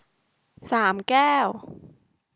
สามแก้ว